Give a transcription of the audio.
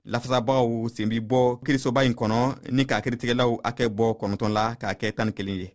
lafasabaaw sen bɛ bɔ kiirisoba in kɔnɔ ni k'a kiiritigɛlaw hakɛ bɔ 9 la ka kɛ 11 ye